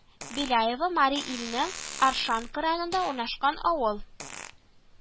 Беляево Мари Илнең Оршанка районында урнашкан авыл